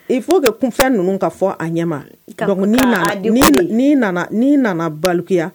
I fo ka kunfɛn ninnu ka fɔ a ɲɛ ma ,n'i nana balikuya